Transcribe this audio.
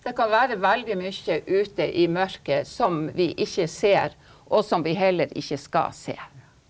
kan være veldig mye ute i mørket som vi ikke ser og som vi heller ikke skal se.